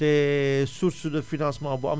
te source de financement bu am